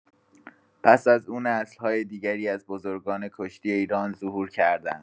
پس از او نسل‌های دیگری از بزرگان کشتی ایران ظهور کردند.